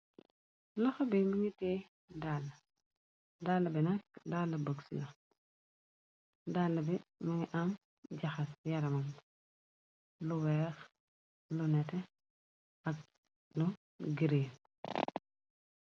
Loxa bi bi ngi te dall dalla bi nakk dala box la dall bi mëngi am jaxas yaraman lu weex lu nete ak lu greel.